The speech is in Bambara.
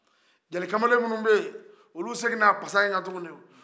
jeli kamalen minnuw bɛ ye olu seginna a fasa in ka tuguni